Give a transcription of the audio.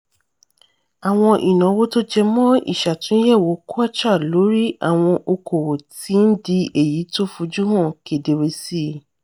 Àwọn ìnáwó tó jẹmọ́ ìṣå̀túnyẹ̀wò Kwacha lórí àwọn okoòwò ti ń di èyí tó fojúhan kedere sí i.